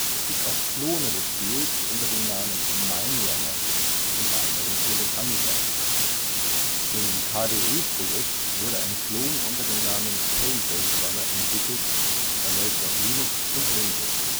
Es gibt auch Klone des Spiels unter dem Namen Mine Runner, unter anderem für den Amiga. Im KDE-Projekt wurde ein Klon unter dem Namen KGoldrunner entwickelt, er läuft auf Linux und Windows